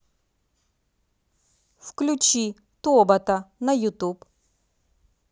включи тобота на ютуб